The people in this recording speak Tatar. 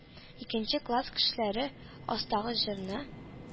Икенче класс кешеләре астагы җырны